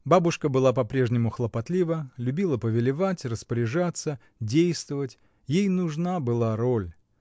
Бабушка была по-прежнему хлопотлива, любила повелевать, распоряжаться, действовать, ей нужна была роль.